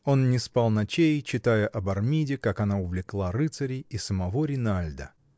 Он не спал ночей, читая об Армиде, как она увлекла рыцарей и самого Ринальда.